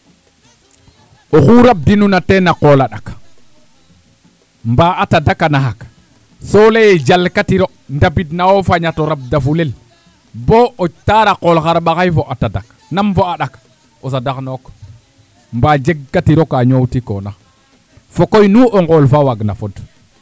oxu rabdinuna teen na qool a ɗak mbaa a tadak a naxaq soo lay ee jalkatiro ndabid n ne'wo fañat o rabdafulel bo o taar a qool xarɓaxay fo a tadak nam fo a ɗak o sadaxnook mbaa jegkatiro kaa ñoowtikoona fo koy nu o nqool fa waagna fod